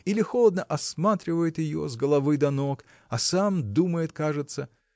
или холодно осматривает ее с головы до ног а сам думает кажется